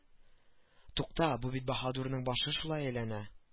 Тукта бу бит баһадурның башы шулай әйләнә